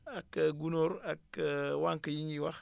ak gunóor ak wànq yi ñuy wax